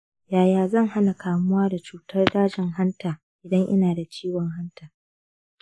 yaya zan hana kamuwa da cutar dajin hanta idan ina da ciwon hanta?